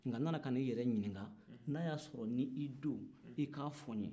nka n nan'i yɛrɛ ɲininka n'a y'a sɔrɔ i n'i don i ka fɔ n ye